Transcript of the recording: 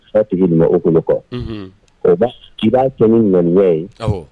Ba tigi di o kɔnɔ kɔ i b'a kɛ ni naaniya ye